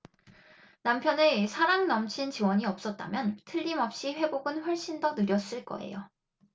남편의 사랑 넘친 지원이 없었다면 틀림없이 회복은 훨씬 더 느렸을 거예요